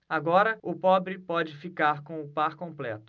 agora o pobre pode ficar com o par completo